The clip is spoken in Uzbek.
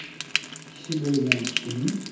kishi bo'lgan kishining